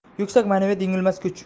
yuksak ma naviyat yengilmas kuch